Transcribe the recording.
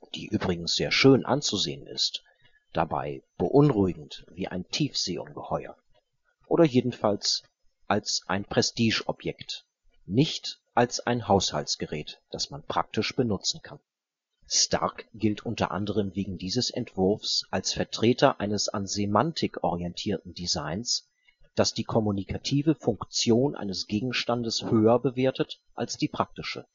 die übrigens sehr schön anzusehen ist, dabei beunruhigend wie ein Tiefseeungeheuer) oder jedenfalls als ein Prestigeobjekt, nicht als ein Haushaltsgerät, das man praktisch benutzen kann. “Starck gilt unter anderem wegen dieses Entwurfs als Vertreter eines an Semantik orientierten Designs, das die kommunikative Funktion eines Gegenstandes höher bewertet als die praktische